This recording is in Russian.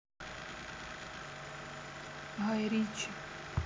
гай ричи